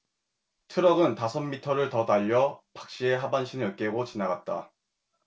트럭은 다섯 미터를 더 달려 박씨의 하반신을 으깨고 지나갔다